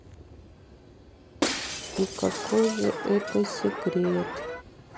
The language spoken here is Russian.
и какой же это секрет